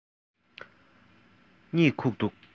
གཉིད ཁུག འདུག